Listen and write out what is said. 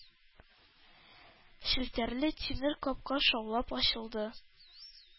Челтәрле тимер капка шаулап ачылды.